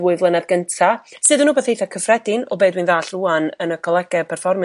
ddwy flynedd gynta' sydd yn r'wbath eitha' cyffredin o be dwi'n ddalld rŵan yn y colega' perfformio